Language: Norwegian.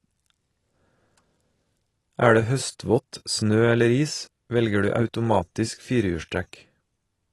Er det høstvått, snø eller is, velger du automatisk firehjulstrekk.